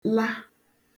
la